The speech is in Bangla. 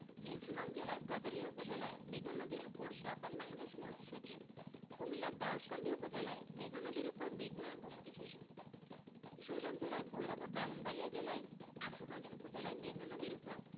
মুন্সিগঞ্জ জেলার গজারিয়া উপজেলায় মেঘনা নদীর উপর জাপান বাংলাদেশ মৈত্রী সেতু কুমিল্লার দাউদকান্দি উপজেলায় মেঘনা নদীর উপর মেঘনা গোমতী সেতু কিশোরগঞ্জ জেলার ভৈরব ও ব্রাহ্মণবাড়িয়া জেলার আশুগঞ্জ উপজেলায় মেঘনা নদীর উপর